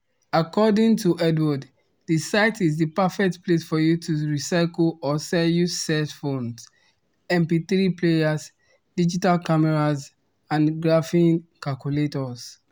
According to Edward, the site “is the perfect place for you to recycle or sell used cell phones, mp3 players, digital cameras and graphing calculators.